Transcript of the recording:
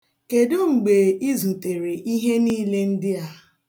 Kedụ mgbe izutere ihe niile ndịa?